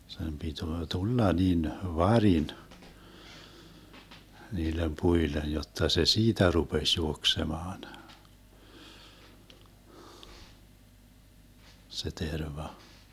sen pitää tulla niin varin niille puille jotta se siitä rupesi juoksemaan se terva